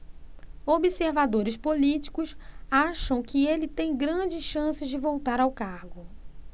observadores políticos acham que ele tem grandes chances de voltar ao cargo